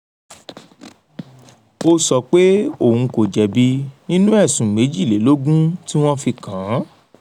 Ó sọ pé òun kò jẹ̀bi nínú ẹ̀sùn méjìlélógún tí wọ́n fi kàn án.